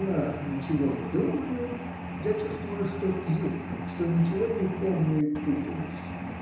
" Я ничего не думаю, я чувствую, что пью, что ничего не помню и путаюсь.